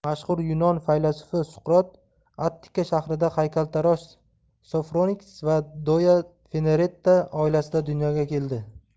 mashhur yunon faylasufi suqrot attika shahrida haykaltarosh sofroniks va doya fenaretta oilasida dunyoga keldi